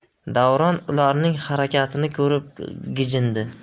davron ularning harakatini ko'rib g'ijindi